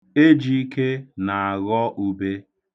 Ejike na-aghọ ube.